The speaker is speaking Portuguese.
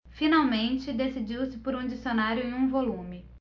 finalmente decidiu-se por um dicionário em um volume